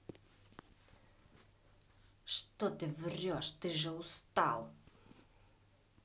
что ты врешь ты же устал